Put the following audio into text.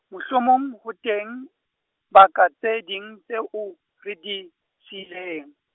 mohlomong ho teng, baka tse ding, tseo, re di, siileng.